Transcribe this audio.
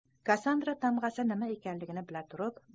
kassandra tamg'asi nima ekanligini bila turib